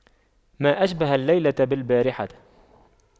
ما أشبه الليلة بالبارحة